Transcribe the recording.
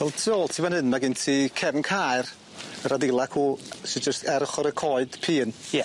Wel tu ôl ti fan hyn ma' gen ti cefn caer yr adeil acw sy jyst ar ochor y coed pîn. Ie.